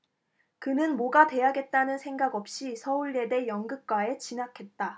그는 뭐가 돼야겠다는 생각 없이 서울예대 연극과에 진학했다